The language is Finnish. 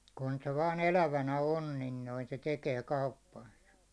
kun se vain elävänä on niin noin se tekee kauppansa